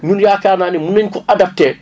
ñun yaakaar naa ne mun nañ ko adapté